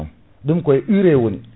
ɗum koye urée woni